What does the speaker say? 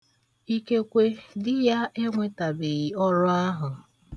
Ikekwe di ya enwetabeghị ọrụ ahụ.